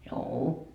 juu